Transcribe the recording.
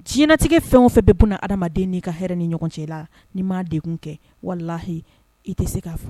Tiɲɛnatigi fɛn o fɛ bɛɛ kunna na adamadamaden n'i ka hɛrɛ ni ɲɔgɔn cɛ la nii m de kun kɛ walahi i tɛ se k'a fɔ